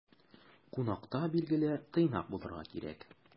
Кунакта, билгеле, тыйнак булырга кирәк.